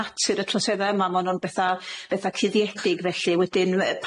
natur y trosedda' yma ma' nw'n betha' betha' cuddiedig felly wedyn yy